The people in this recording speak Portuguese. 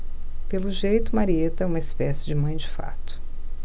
pelo jeito marieta é uma espécie de mãe de fato